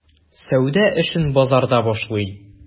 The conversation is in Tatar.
Сәүдә эшен базарда башлый.